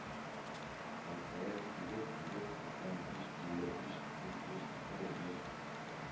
Мтыэс сигез сигез сиксән биш илле биш дүрт йөз ике йөз